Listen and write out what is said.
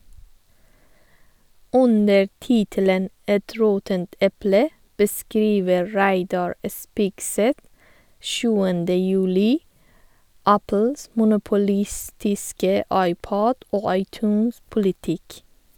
Under tittelen «Et råttent eple» beskriver Reidar Spigseth 7. juli Apples monopolistiske iPod- og iTunes-politikk.